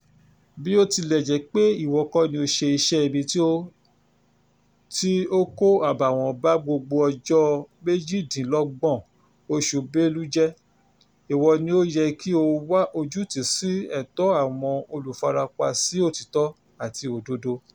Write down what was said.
Bí ó tilẹ̀ jẹ́ pé ìwọ kọ́ ni o ṣe iṣẹ́-ibi tí ó kó àbààwọ́n ba gbogbo ọjọ́ 28 oṣù Belu jẹ́, ìwọ ni ó yẹ kí o wá ojútùú sí ẹ̀tọ́ àwọn olùfarapa sí òtítọ́ àti òdodo...